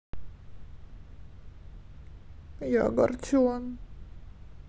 я огорчон